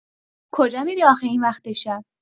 کجا می‌ری آخه این وقت شب؟